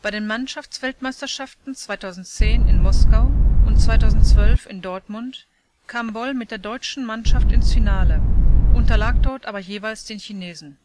den Mannschafts-Weltmeisterschaften 2010 in Moskau und 2012 in Dortmund kam Boll mit der deutschen Mannschaft ins Finale, unterlag dort aber jeweils den Chinesen